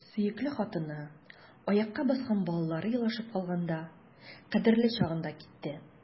Сөекле хатыны, аякка баскан балалары елашып калганда — кадерле чагында китте!